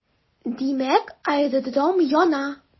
Димәк, аэродром яна.